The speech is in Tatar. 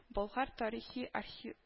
Болгар тарихи-архи